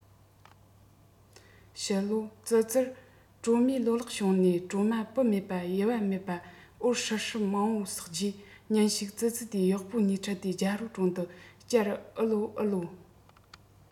ཕྱི ལོ ཙི ཙིར གྲོ མའི ལོ ལེགས བྱུང ནས གྲོ མ སྤུ མེད པ ཡུ བ མེད པ འོད ཧྲིལ ཧྲིལ མང མོ བསགས རྗེས ཉིན ཞིག ཙི ཙི དེས གཡོག པོ གཉིས ཁྲིད དེ རྒྱལ པོའི དྲུང དུ བཅར ཨུ ལའོ ཨུ ལའོ